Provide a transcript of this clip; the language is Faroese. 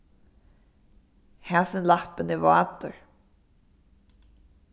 hasin lappin er vátur